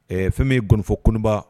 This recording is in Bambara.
Ɛɛ fɛn bɛ gfɔ koba